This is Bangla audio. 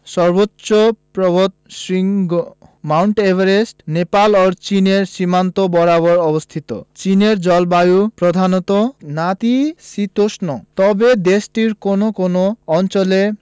সর্বোচ্চ পর্বতশৃঙ্গ মাউন্ট এভারেস্ট নেপাল ও চীনের সীমান্ত বরাবর অবস্থিত চীনের জলবায়ু প্রধানত নাতিশীতোষ্ণ তবে দেশটির কোনো কোনো অঞ্চল